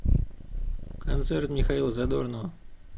концерт михаила задорнова